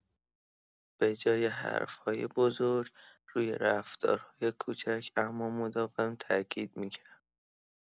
به‌جای حرف‌های بزرگ، روی رفتارهای کوچک اما مداوم تأکید می‌کرد.